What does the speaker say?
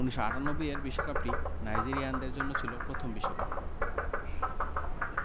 ১৯৯৮ এর বিশ্বকাপটি নাইজেরিয়ানদের জন্য ছিল প্রথম বিশ্বকাপ